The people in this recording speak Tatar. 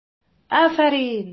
Афәрин!